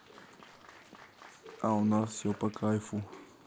а у нас все по кайфу